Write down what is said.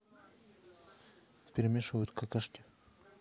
перемешивают какашки